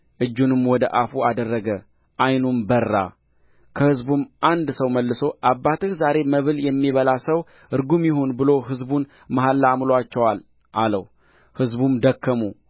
እጁንም ወደ አፉ አደረገ ዓይኑም በራ ከሕዝቡም አንድ ሰው መልሶ አባትህ ዛሬ መብል የሚበላ ሰው ርጉም ይሁን ብሎ ሕዝቡን መሐላ አምሎአቸዋል አለው ሕዝቡም ደከሙ